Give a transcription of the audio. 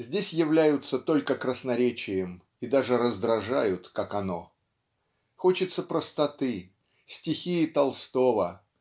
здесь являются только красноречием и даже раздражают как оно. Хочется простоты стихии Толстого